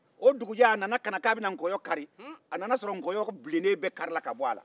o dugujɛ a nana k'a bɛ na nkɔyɔ kari a nana sɔrɔ nkɔyɔ bilennen bɛe karila ka bɔ a la